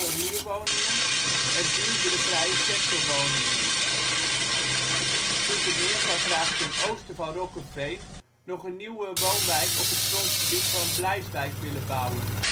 huurwoningen en duurdere vrije sector woningen. Zoetermeer zou graag ten oosten van Rokkeveen nog een nieuwe woonwijk op het grondgebied van Bleiswijk willen bouwen